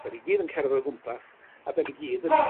'Dan ni gyd yn ceredd o gwmpas a 'dan ni gyd yn